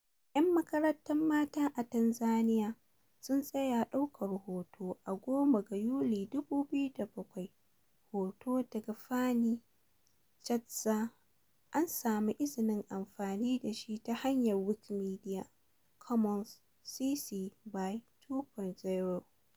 Yan makaranta mata a Tanzaniya sun tsaya ɗaukar hoto a 10 ga Yuli, 2007. Hoto daga Fanny Schertzer, an samu izinin amfani da shi ta hanyar Wikimedia Commons, CC BY 2.0.